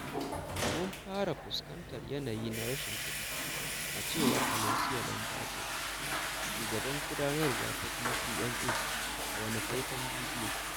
Mun [fara] fuskantar yanayi na rashin kuɗi cewar Alessia Lombardo, shugabar gudanarwa ta DCMA a wani faifan bidiyo.